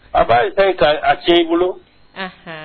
A ka a tiɲɛ i bolo